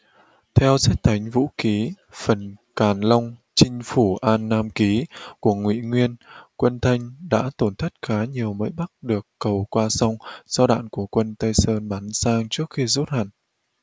theo sách thánh vũ ký phần càn long chinh phủ an nam ký của ngụy nguyên quân thanh đã tổn thất khá nhiều mới bắc được cầu qua sông do đạn của quân tây sơn bắn sang trước khi rút hẳn